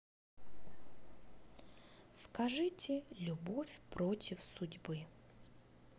скажите любовь против судьбы